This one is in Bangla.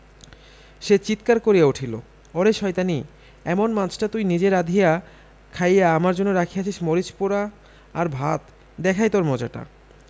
সে চিৎকার করিয়া উঠিল ওরে শয়তানী এমন মাছটা তুই নিজে ব্রাধিয়া খাইয়া আমার জন্য রাখিয়াছিস্ মরিচ পোড়া আর ভাত দেখাই তোর মজাটা